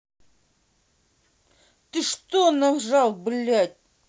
что ты нажал блядь